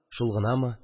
Шул гынамы